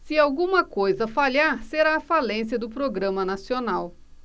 se alguma coisa falhar será a falência do programa nacional